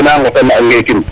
taxar ke naa nqotan a ngeekin